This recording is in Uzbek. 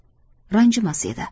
ranjimas edi